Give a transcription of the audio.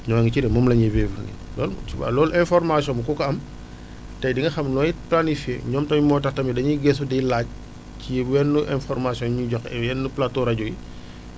ñoo ngi ci de moom la ñuy vivre nii donc tu vois loolu information bi ku ko am tey di nga xam nooy planifié ñoom tamit moo tax tamit dañuy gëstu di laaj ci wenn inforamtion yiñ ñuy jox ak yenn plateau rajo yi